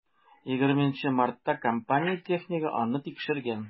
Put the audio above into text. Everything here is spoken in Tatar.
20 мартта компания технигы аны тикшергән.